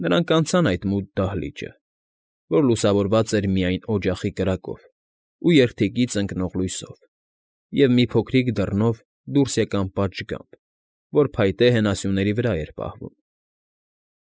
Նրանք անցան այդ մութ դահլիճը, որ լուսավորված էր միայն օջախի կրակով ու երդիկից ընկնող լույսով, և մի փոքրիկ դռնով դուրս եկան պատշգամբ, որ փայտե հենասյուների վրա էր պահվում։